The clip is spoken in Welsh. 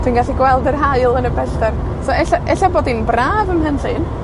Dwi'n gallu gweld yr haul yn y pellter. So, ella, ella bod 'i'n braf ym Mhenllyn.